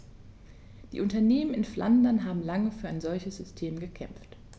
Die Unternehmen in Flandern haben lange für ein solches System gekämpft.